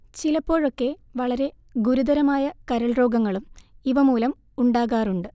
ചിലപ്പോഴൊക്കെ വളരെ ഗുരുതരമായ കരൾരോഗങ്ങളും ഇവ മൂലം ഉണ്ടാകാറുണ്ട്